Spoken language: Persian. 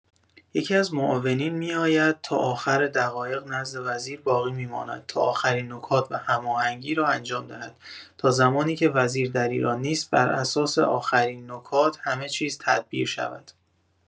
یکی‌از معاونین می‌آید تا آخر دقایق نزد وزیر باقی می‌ماند تا اخرین نکات و هماهنگی را انجام دهد تا زمانی که وزیر در ایران نیست بر اساس آخرین نکات همه چیز تدبیر شود.